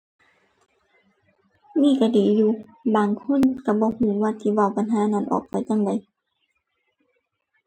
มีก็ดีอยู่ บางคนก็บ่ก็ว่าสิเว้าปัญหานั้นออกไปจั่งใด